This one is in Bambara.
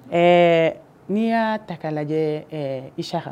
Ɛɛ n'i y'aa ta k'a lajɛɛ ɛɛ Isiaka